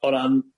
o ran